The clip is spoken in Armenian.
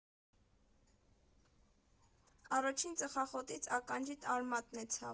Առաջին ծխախոտից ականջիդ արմատն է ցավում։